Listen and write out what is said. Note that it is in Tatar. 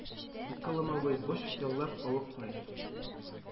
Ике ломовой извозчик яллап алып кайт!